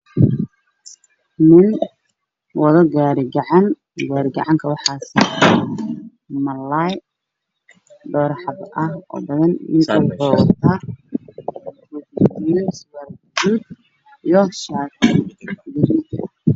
Waa nin wada gaar gacan waxaa saaran malaay laba ah waxaa ka dambeeyo wiil yar oo soo socda